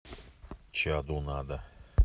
чаду надо